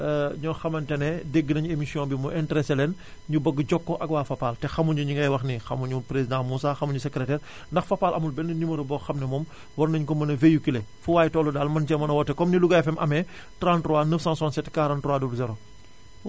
ñoo xamante ne dégg nañu émission bi mu intéressé leen ñu bëgg a jokkoo ak waa Fapal te xamuñu ñi ngay wax nii xamuñu président Moussa xamuñu secrétaire ndax Fapal amul benn numéro boo xam ne moom war nañu ko mën a véhiculé fu waay tollu daal mën cee woote comme ni Louga FM amee 33 967 43 00